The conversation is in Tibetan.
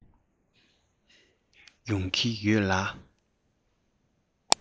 ཡོང གི ཡོད ལ